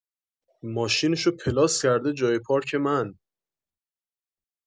ماشینشو پلاس کرده جای پارک من